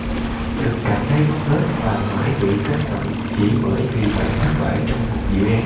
đừng cảm thấy ngốc nghếch và mãi bị kết tội chỉ bởi vì bạn thất bại trong một dự án